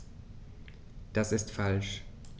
Das ist falsch.